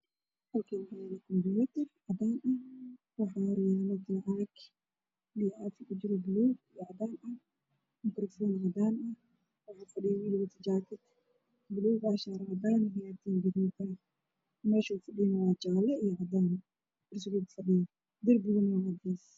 Waa nin soo jiidow buluug wato oo kursi jaale ah ku fadhiya oo makaroofan har yaalo